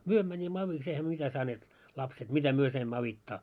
me menimme avuksi eihän me mitä saaneet lapset mitä me saimme auttaa